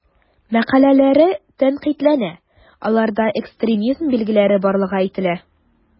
Мәкаләләре тәнкыйтьләнә, аларда экстремизм билгеләре барлыгы әйтелә.